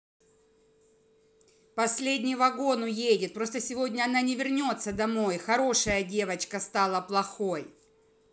последний вагон уедет просто сегодня она не вернется домой хорошая девочка стала плохой